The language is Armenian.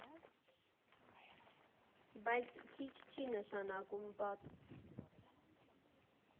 Բայց քիչ չի նշանակում վատ։